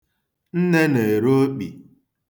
Nne na-ere okpi.